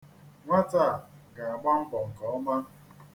Nwata a ga-agba mbọ nke ọma.